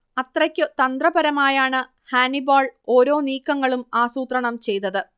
അത്രയ്ക്കു തന്ത്രപരമായാണ് ഹാനിബാൾ ഒരോ നീക്കങ്ങളും ആസൂത്രണം ചെയ്തത്